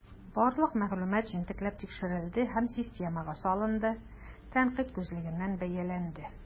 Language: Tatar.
Барлык мәгълүмат җентекләп тикшерелде һәм системага салынды, тәнкыйть күзлегеннән бәяләнде.